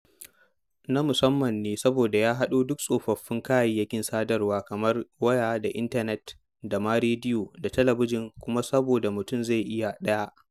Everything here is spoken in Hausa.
Na musamman ne saboda ya haɗo duk tsofaffin kayayyakin sadarwa, kamar waya da Intanet da ma rediyo da talabijin, kuma saboda mutum zai iya: 1.